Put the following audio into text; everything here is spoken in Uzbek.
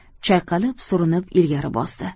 chayqalib surinib ilgari bosdi